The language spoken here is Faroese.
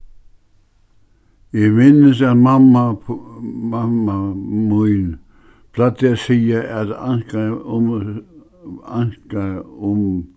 eg minnist at mamma mamma mín plagdi at siga at